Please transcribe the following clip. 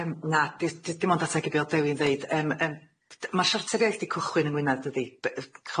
Yym na di- di- dim ond ategu be' o'dd Dewi'n ddeud yym yym d- ma' siartar iaith 'di cychwyn yng Ngwynedd dydi?